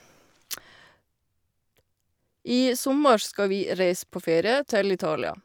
I sommer skal vi reise på ferie til Italia.